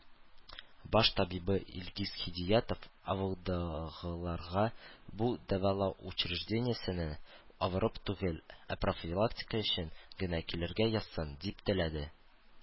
Баш табибы Илгиз Хидиятов авылдагыларга бу дәвалау учреждениесенә авырып түгел, ә профилактика өчен генә килергә язсын, дип теләде.